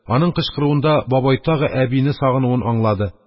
Аның кычкыруында бабай тагы әбине сагынуын аңлады.